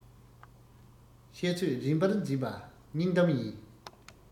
བཤད ཚོད རན པར འཛིན པ སྙིང གཏམ ཡིན